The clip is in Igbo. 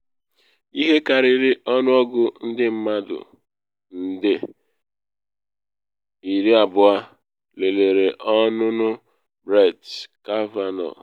Ihe karịrị ọnụọgụ ndị mmadụ nde 20 lelere ọnụnụ Brett Kavanaugh